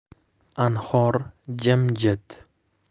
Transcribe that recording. anhor jim jit